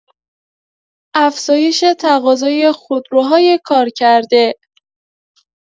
افزایش تقاضای خودروهای کارکرده